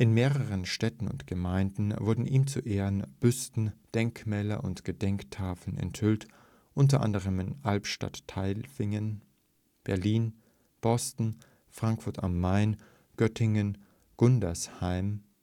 mehreren Städten und Gemeinden wurden ihm zu Ehren Büsten, Denkmäler und Gedenktafeln enthüllt, unter anderem in Albstadt-Tailfingen, Berlin (Ost und West), Boston (USA), Frankfurt am Main, Göttingen, Gundersheim